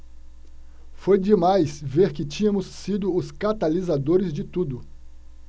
foi demais ver que tínhamos sido os catalisadores de tudo